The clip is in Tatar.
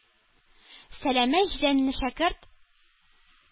Сәләмә җиләнле шәкерт,